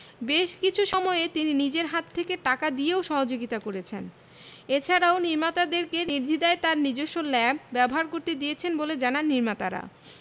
বেশ কিছু সময়ে তিনি নিজের হাত থেকে টাকা দিয়েও সহযোগিতা করেছেন এছাড়াও নির্মাতাদেরকে নির্দ্বিধায় তার নিজস্ব ল্যাব ব্যবহার করতে দিয়েছেন বলে জানান নির্মাতারা